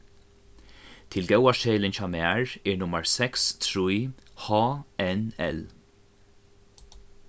tilgóðarseðilin hjá mær er nummar seks trý h n l